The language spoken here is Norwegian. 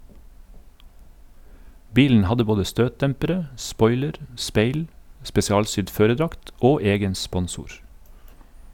Bilen hadde både støtdempere, spoiler, speil, spesialsydd førerdrakt og egen sponsor.